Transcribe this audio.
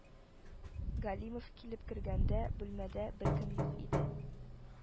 Галимов килеп кергәндә, бүлмәдә беркем юк иде,